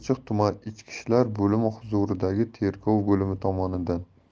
chirchiq tumani ichki ishlar boimi huzuridagi tergov bo'limi tomonidan